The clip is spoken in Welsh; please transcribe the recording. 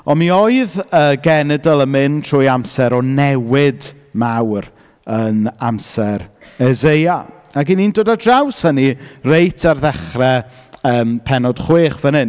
Ond mi oedd y genedl yn mynd trwy amser o newid mawr yn amser Eseia ac 'y ni'n dod o draws hynny reit ar ddechrau yym pennod chwech fan hyn.